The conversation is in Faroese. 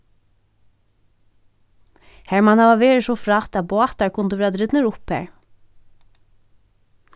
har man hava verið so frægt at bátar kundu verða drignir upp har